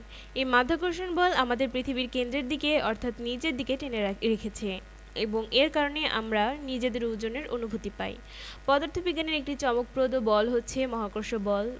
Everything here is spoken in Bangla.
এই মাধ্যাকর্ষণ বল আমাদের পৃথিবীর কেন্দ্রের দিকে অর্থাৎ নিচের দিকে টেনে রেখেছে এবং এর কারণেই আমরা নিজেদের ওজনের অনুভূতি পাই পদার্থবিজ্ঞানের একটি চমকপ্রদ বল হচ্ছে মহাকর্ষ বল